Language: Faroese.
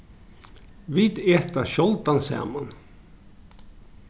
vit eta sjáldan saman